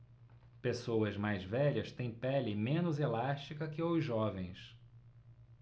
pessoas mais velhas têm pele menos elástica que os jovens